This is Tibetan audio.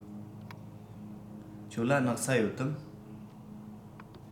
ཁྱེད ལ སྣག ཚ ཡོད དམ